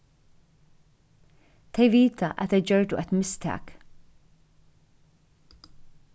tey vita at tey gjørdu eitt mistak